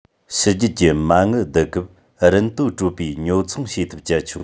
ཕྱི རྒྱལ གྱི མ དངུལ བསྡུ སྐབས རིན དོད སྤྲོད པའི ཉོ ཚོང བྱེད ཐབས སྤྱད ཆོག